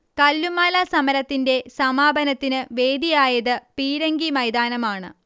കല്ലുമാല സമരത്തിന്റെ സമാപനത്തിന് വേദിയായത് പീരങ്കി മൈതാനമാണ്